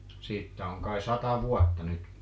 siitä on kai sata vuotta nyt